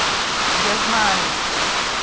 я знаю уже